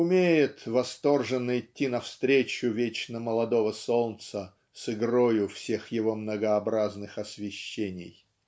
умеет восторженно идти навстречу вечно молодому солнцу с игрою всех его многообразных освещений.